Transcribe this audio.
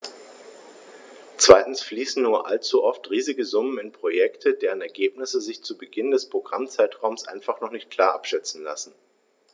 Zweitens fließen nur allzu oft riesige Summen in Projekte, deren Ergebnisse sich zu Beginn des Programmzeitraums einfach noch nicht klar abschätzen lassen.